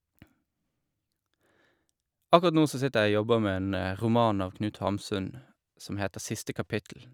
Akkurat nå så sitter jeg og jobber med en roman av Knut Hamsun som heter Siste Kapittel.